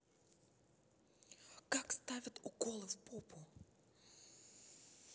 как ставят уколы в попу